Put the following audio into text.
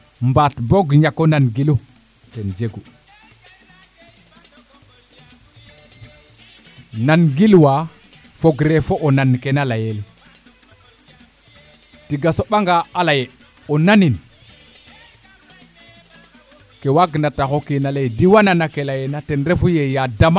mbaat boog ñako nan gilu jegu nan gilwa fogre fo o nan kena leyel tiga soɓa nga a leye o nanin ke waag na tax o kiina leye diwa nana kee leyena ten refu ye ya dama